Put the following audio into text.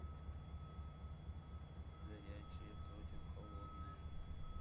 горячее против холодное